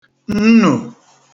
nnù